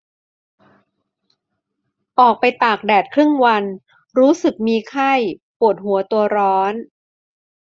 ออกไปตากแดดครึ่งวันรู้สึกมีไข้ปวดหัวตัวร้อน